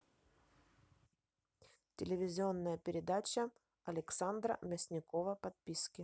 телевизионная передача александра мясникова подписки